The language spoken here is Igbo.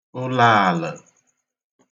ụlaàlə̣̀